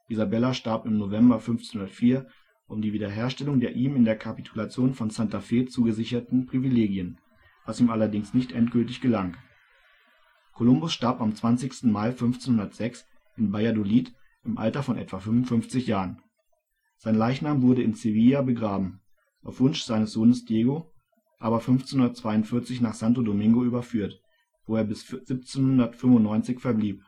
Isabella starb im November 1504) um die Wiederherstellung der ihm in der Kapitulation von Santa Fé zugesicherten Privilegien, was ihm allerdings nicht endgültig gelang. Kolumbus starb am 20. Mai 1506 in Valladolid im Alter von etwa 55 Jahren. Sein Leichnam wurde in Sevilla begraben, auf Wunsch seines Sohns Diego aber 1542 nach Santo Domingo überführt, wo er bis 1795 verblieb